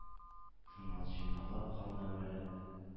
Шуннан җыйнаулап, карны әвәләп,